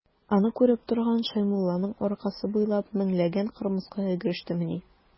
Аны күреп торган Шәймулланың аркасы буйлап меңләгән кырмыска йөгерештемени.